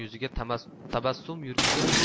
yuziga tabassum yurgizib